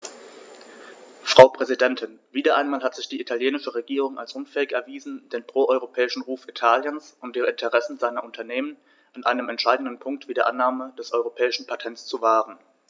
Frau Präsidentin, wieder einmal hat sich die italienische Regierung als unfähig erwiesen, den pro-europäischen Ruf Italiens und die Interessen seiner Unternehmen an einem entscheidenden Punkt wie der Annahme des europäischen Patents zu wahren.